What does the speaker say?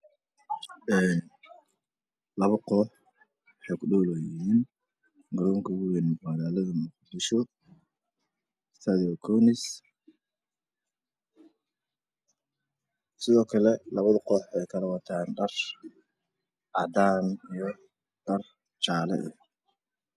Waxaa ii muuqda garoon kubada cagta lagu dheelo waxaana ku dheelaya wiilal waxa ay kala wataan fanaanado cod iyo kuwo jaal ah